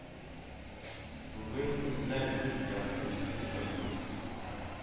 Бүген көтмәгез - ярты төнсез кайтмый